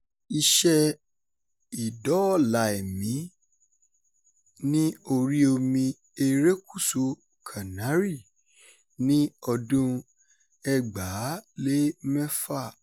Iṣẹ́ ìdóòlà-ẹ̀mí ní oríi omi Erékùsù Canary ní 2006.